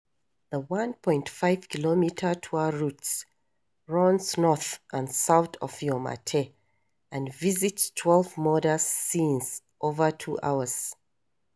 The 1.5-kilometer tour route runs north and south of Yau Ma Tei and visits 12 murder scenes over two hours.